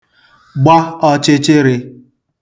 gba ọ̄chị̄chị̄rị̄